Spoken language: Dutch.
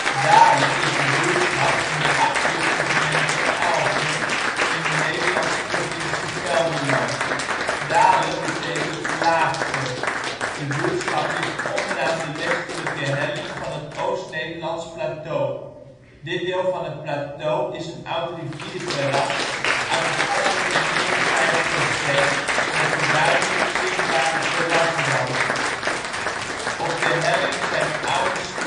Dale is een buurtschap in de Achterhoekse gemeente Aalten, in de Nederlandse provincie Gelderland. Dale betekent laagte. De buurtschap ligt onderaan de westelijke helling van het Oost-Nederlands plateau. Dit deel van het plateau is een oud rivierterras uit het Onder-en Midden-Pleistoceen met een duidelijke zichtbare terrasrand. Op de helling zijn oude smeltwaterdalen